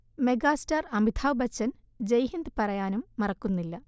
megastar Amitabh Bachchan Jai Hind പറയാനും മറക്കുന്നില്ല